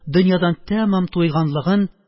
Дөньядан тәмам туйганлыгын,